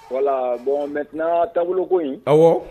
Wala bɔn bɛ tɛna taabolo ko ɔwɔ